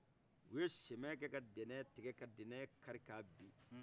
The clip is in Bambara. u ye sɛmɛ kɛ ka dɛnɛ tigɛ ka dɛnɛ karik'abin